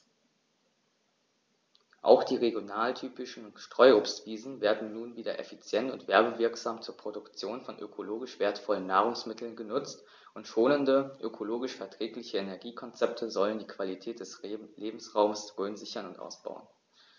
Auch die regionaltypischen Streuobstwiesen werden nun wieder effizient und werbewirksam zur Produktion von ökologisch wertvollen Nahrungsmitteln genutzt, und schonende, ökologisch verträgliche Energiekonzepte sollen die Qualität des Lebensraumes Rhön sichern und ausbauen.